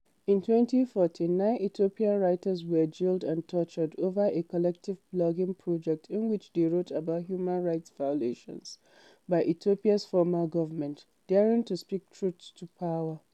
In 2014, nine Ethiopian writers were jailed and tortured over a collective blogging project in which they wrote about human rights violations by Ethiopia’s former government, daring to speak truth to power.